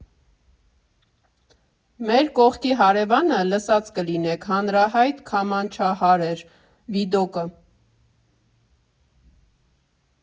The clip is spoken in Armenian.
Մեր կողքի հարևանը, լսած կլինեք, հանրահայտ քամանչահար էր, Վիդոկը։